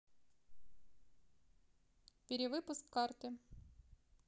перевыпуск карты